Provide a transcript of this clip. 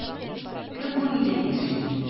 Кем бу өйдә яши?